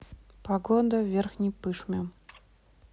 погода в верхней пышме